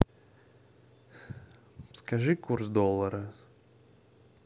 скажи курс доллара